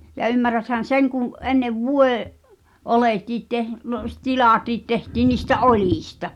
ja ymmärräthän sen kun ennen - vuodeoljetkin --- tilatkin tehtiin niistä oljista